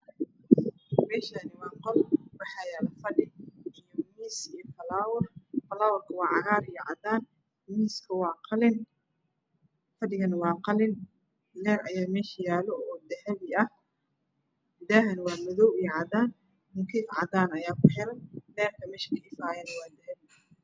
Meshani waa qol waxa yaalo fadhi iyo miis iyo flower falowerka waa cadan iyo cagaar miiska waa qalin fadhigana waa qalin leyr aya mesha yalo oo dahabi ah daahana waa madow iyo cadan mukeyf cadana aya ku xiran leyrka mesha ka ifayana waa dahabi